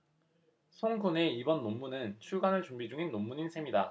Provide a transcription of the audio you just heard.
송 군의 이번 논문은 출간을 준비 중인 논문인 셈이다